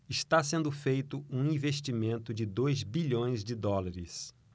está sendo feito um investimento de dois bilhões de dólares